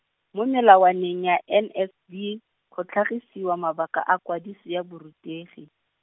mo melawaneng ya N S B, go tlhagisiwa mabaka a kwadiso ya borutegi.